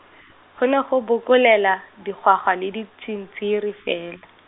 go ne go bokolela, digwagwa le ditsintsiri fela.